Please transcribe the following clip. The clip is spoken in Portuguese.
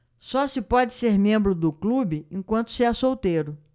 só se pode ser membro do clube enquanto se é solteiro